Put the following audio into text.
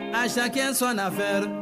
A si kɛ sɔn na fɛ